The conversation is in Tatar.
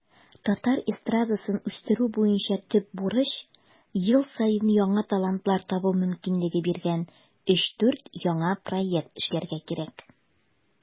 Татар эстрадасын үстерү буенча төп бурыч - ел саен яңа талантлар табу мөмкинлеге биргән 3-4 яңа проект эшләргә кирәк.